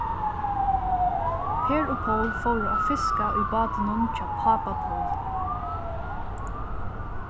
per og pól fóru at fiska í bátinum hjá pápa pól